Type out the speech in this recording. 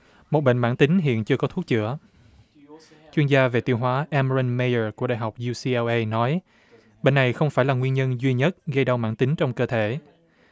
một bệnh mãn tính hiện chưa có thuốc chữa chuyên gia về tiêu hóa em rân mây ờ của đại học diu xi eo ây nói bệnh này không phải là nguyên nhân duy nhất gây đau mãn tính trong cơ thể